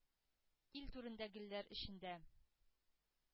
Ил түрендә, гөлләр эчендә